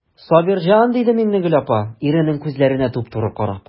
Сабирҗан,– диде Миннегөл апа, иренең күзләренә туп-туры карап.